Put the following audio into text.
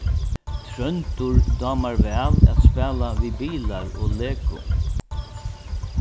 tróndur dámar væl at spæla við bilar og lego